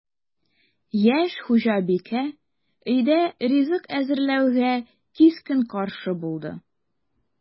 Яшь хуҗабикә өйдә ризык әзерләүгә кискен каршы булды: